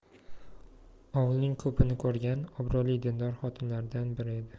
ovulning ko'pni ko'rgan obro'li dindor xotinlaridan biri edi